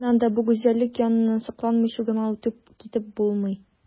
Чыннан да бу гүзәллек яныннан сокланмыйча гына үтеп китеп булмый.